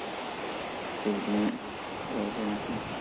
siz bilan rozi emasman